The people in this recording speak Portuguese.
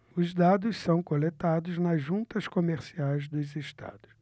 os dados são coletados nas juntas comerciais dos estados